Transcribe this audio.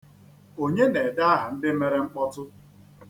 Onye na-ede aha ndị mere mkpọtụ?